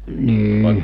niin